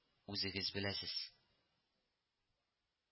Үзегез беләсез